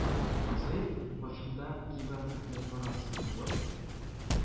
Казый, каршында кибән хәтле кара сакаллы